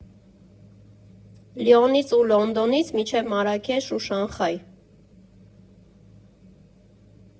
Լիոնից ու Լոնդոնից մինչև Մարաքեշ ու Շանհայ։